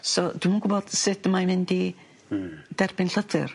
So dw'm yn gwbod sud mae mynd i... Hmm. ...derbyn llythyr.